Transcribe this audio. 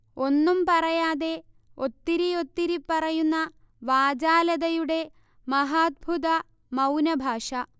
ഒന്നും പറയാതെ ഒത്തിരിയൊത്തിരി പറയുന്ന വാചാലതയുടെ മഹാദ്ഭുത മൗനഭാഷ